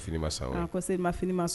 Se ma fini ma